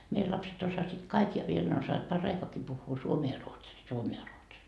meidän lapset osasivat kaikki ja vielä ne osaavat paraikaakin puhua suomea ja ruotsia suomea ja ruotsia